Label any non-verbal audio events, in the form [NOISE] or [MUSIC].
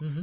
[HESITATION] [HESITATION]